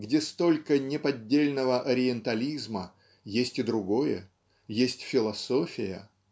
где столько неподдельного ориентализма есть и другое есть философия.